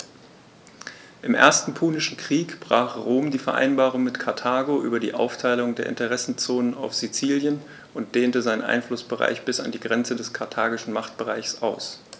Im Ersten Punischen Krieg brach Rom die Vereinbarung mit Karthago über die Aufteilung der Interessenzonen auf Sizilien und dehnte seinen Einflussbereich bis an die Grenze des karthagischen Machtbereichs aus.